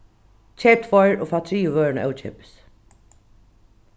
keyp tveir og fá triðju vøruna ókeypis